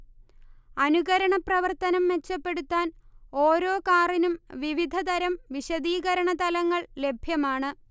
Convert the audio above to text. അനുകരണ പ്രവർത്തനം മെച്ചപ്പെടുത്താൻ ഓരോ കാറിനും വിവിധ തരം വിശദീകരണ തലങ്ങൾ ലഭ്യമാണ്